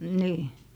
niin